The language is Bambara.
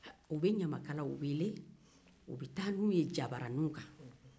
u bɛ ɲamakalaw weele u bɛ taa n'u ye jabaranin kan